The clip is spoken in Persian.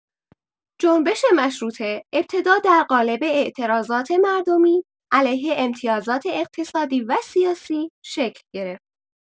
جنبش مشروطه ابتدا در قالب اعتراضات مردمی علیه امتیازات اقتصادی و سیاسی شکل گرفت.